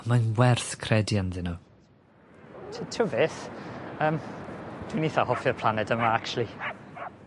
Ond mae'n werth credu ynddyn nw. T- t'mod beth yym dwi'n itha hoffi'r planed yma actually.